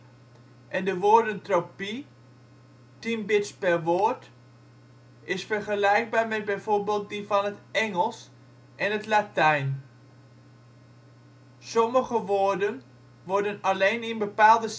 en de woordentropie (tien bits per woord) is vergelijkbaar met bijvoorbeeld die van het Engels en het Latijn. Sommige woorden worden alleen in bepaalde